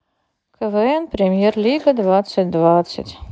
квн премьер лига двадцать двадцать